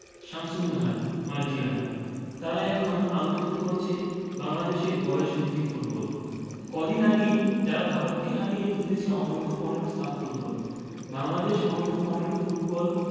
শামসুন্নাহার মার্জিয়ারা তারা এখন আলোকিত করছে বাংলাদেশের বয়সভিত্তিক ফুটবল কদিন আগেই যারা ভারতকে হারিয়ে জিতেছে অনূর্ধ্ব ১৫ সাফ ফুটবল বাংলাদেশ অনূর্ধ্ব ১৫ ফুটবল